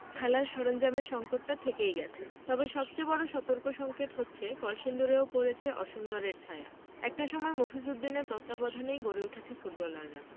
খেলার সরঞ্জামের সংকটটা থেকেই গেছেতবে সবচেয়ে বড় সতর্কসংকেত হচ্ছে কলসিন্দুরেও পড়েছে অসুন্দরের ছায়া একটা সময় মফিজ উদ্দিনের তত্ত্বাবধানেই গড়ে উঠেছে ফুটবলাররা